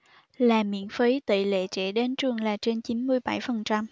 là miễn phí tỉ lệ trẻ đến trường là trên chín mươi bảy phần trăm